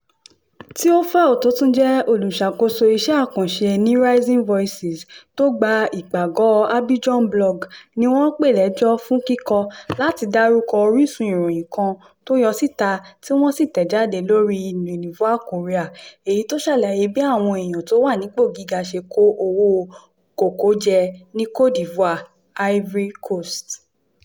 Théophile, tó tún jẹ́ olùṣàkóso isẹ́ àkànṣe ní Rising Voices tó gba ìpàgọ́ọ Abidjan Blog, ní wọ́n pè lẹ́jọ́ fún kíkọ̀ láti dárúkọ orísun ìròyìn kan tó yọ́ síta ti woọ́n sì tẹ̀ jáde lórí Le Nouveau Courier, èyí tó ṣàlàyé bí àwọn èèyàn tó wà nípò gíga ṣe kó owó kòkó jẹ ní Côte d'Ivoire (Ivory Coast).